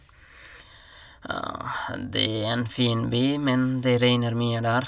Det er en fin by, men det regner mye der.